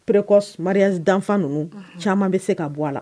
Perereɔrima danfa ninnu caman bɛ se ka bɔ a la